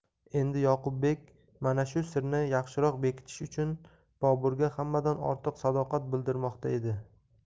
endi yoqubbek mana shu sirni yaxshiroq bekitish uchun boburga hammadan ortiq sadoqat bildirmoqda edi